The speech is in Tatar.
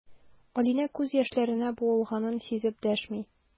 Алинә күз яшьләренә буылганын сизеп дәшми.